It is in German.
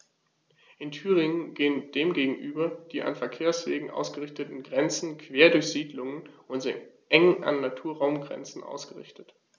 In Thüringen gehen dem gegenüber die an Verkehrswegen ausgerichteten Grenzen quer durch Siedlungen und sind eng an Naturraumgrenzen ausgerichtet.